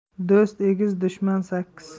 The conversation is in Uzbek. do'st egiz dushman sakkiz